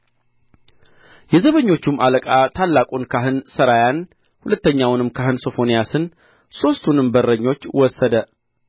የዘበኞቹም አለቃ ታላቁን ካህን ሠራያን ሁለተኛውንም ካህን ሶፎንያስን ሦስቱንም በረኞች ወሰደ